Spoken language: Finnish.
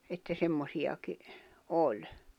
että semmoisiakin oli